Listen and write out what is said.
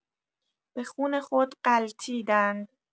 به خون خود غلتیدند.